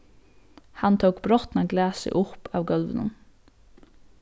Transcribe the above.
hann tók brotna glasið upp av gólvinum